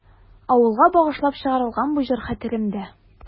Авылга багышлап чыгарылган бу җыр хәтеремдә.